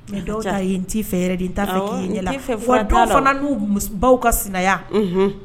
Mais dɔw ta ye n t'i fɛ yɛrɛ de, n t'a fɛ k'i ye, dɔw fana baw ka sinaya, unhun